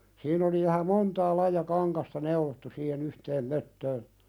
siinä oli vähän montaa lajia kangasta neulottu siihen yhteen möttöön